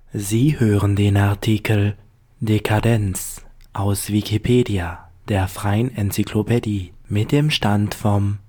Sie hören den Artikel Dekadenz, aus Wikipedia, der freien Enzyklopädie. Mit dem Stand vom